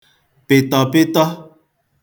pị̀tọ̀pịtọ